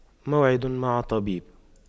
موعد مع طبيب